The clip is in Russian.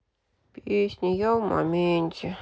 песня я в моменте